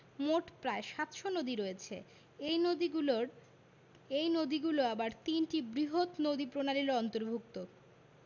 মোট প্রায় ৭০০ নদী রয়েছে এই নদীগুলোরএই নদীগুলো আবার তিনটি বৃহৎ নদীপ্রণালীর অন্তর্ভুক্ত